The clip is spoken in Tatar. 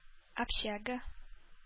Общага